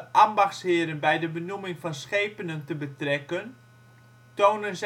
ambachtsheren bij de benoeming van schepenen te betrekken tonen